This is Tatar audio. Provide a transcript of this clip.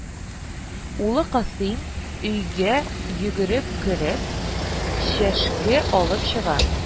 Улы Касыйм, өйгә йөгереп кереп, чәшке алып чыга